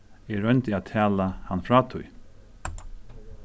eg royndi at tala hann frá tí